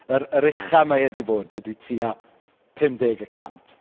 Yr, yr ucha mae e ‘di bod ydy tua pumdeg y cant.